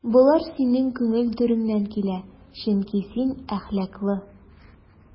Болар синең күңел түреннән килә, чөнки син әхлаклы.